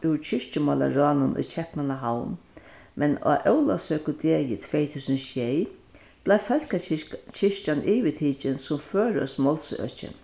úr kirkjumálaráðnum í keypmannahavn men á ólavsøkudegi tvey túsund og sjey bleiv kirkjan yvirtikin sum føroyskt málsøki